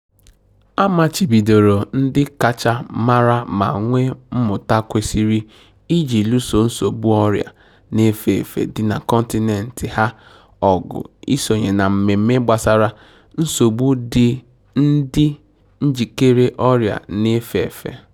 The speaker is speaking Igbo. A machibidoro ndị kacha mara ma nwee mmụta kwesiri iji lụso nsogbu ọrịa na-efe efe dị na kọntinent ha ọgụ isonye na mmemme gbasara "nsogbu dị n'idi njikere ọrịa na-efe efe"